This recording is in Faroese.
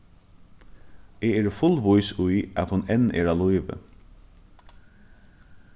eg eri fullvís í at hon enn er á lívi